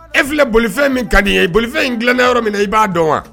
E filɛ bolifɛn min ka di ye i bolifɛn in dilana yɔrɔ min minna i b'a dɔn wa?